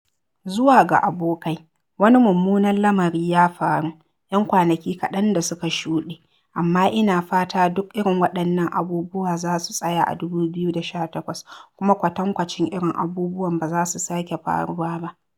Zuwa ga abokai, wani mummunar lamari ya faru 'yan kwanaki kaɗan da suka shuɗe, amma ina fata duk irin waɗannan abubuwa za su tsaya a 2018 kuma kwatankwacin irin abubuwan ba za su sake faruwa ba.